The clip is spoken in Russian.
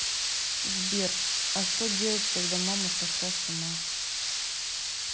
сбер а что делать когда мама сошла с ума